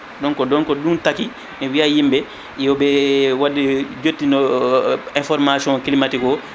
donc donc ko ɗum tagui mi wiiya yimɓe yoɓe wad jettinowo information climatique o